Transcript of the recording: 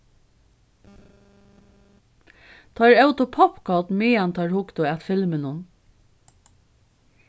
teir ótu poppkorn meðan teir hugdu at filminum